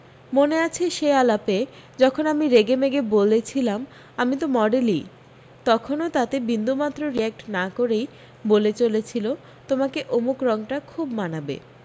মনে আছে সেই আলাপে যখন আমি রেগেমেগে বলেছিলাম আমি তো মডেলি তখনও তাতে বিন্দুমাত্র রিয়্যাক্ট না করে বলেই চলেছিল তোমাকে অমুক রংটা খুব মানাবে